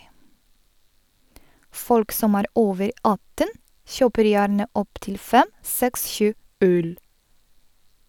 Folk som er over atten, kjøper gjerne opptil fem, seks, sju øl.